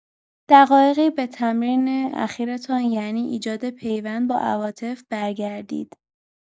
دقایقی به تمرین اخیرتان یعنی ایجاد پیوند با عواطف برگردید.